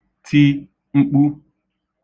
ti mkpu